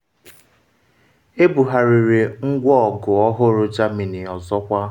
Ebugharịrị ngwa ọgụ ọhụrụ Germany ọzọkwa